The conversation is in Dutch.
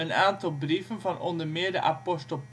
aantal brieven van onder meer de apostel